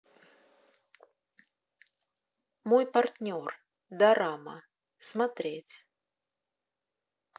мой партнер дорама смотреть